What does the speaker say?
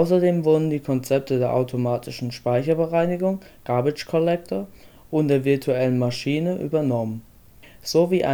Außerdem wurden die Konzepte der automatischen Speicherbereinigung (garbage collector) und der virtuellen Maschine übernommen sowie